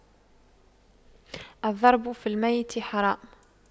الضرب في الميت حرام